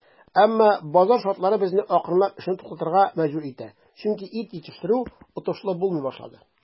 Әмма базар шартлары безне акрынлап эшне туктатырга мәҗбүр итә, чөнки ит җитештерү отышлы булмый башлады.